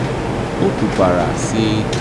O kwukwara, sị: